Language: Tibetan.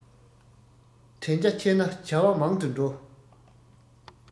དྲན རྒྱ ཆེ ན བྱ བ མང དུ འགྲོ